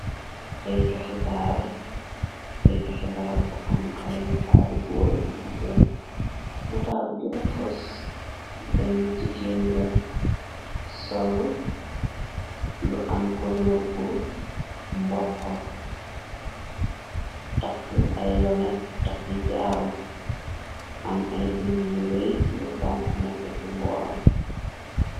Xeytu xibaar bu am ay nataar yi góor aki jigeen nataal bi gëna xës benn jigéen la soll lu am kuloor bu mboku takk ay lonet takki jaaru am ay bindi yu rëy yu xonku nekk ci booram.